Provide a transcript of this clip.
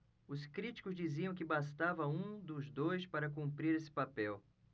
os críticos diziam que bastava um dos dois para cumprir esse papel